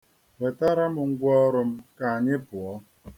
Wetara m ngwaọrụ m, ka anyị pụọ.